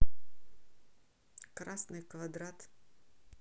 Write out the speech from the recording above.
красный квадрат